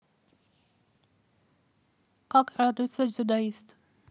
как радуется дзюдоист